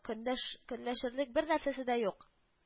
Кәнләшкөнләшерлек бер нәрсәсе дә юк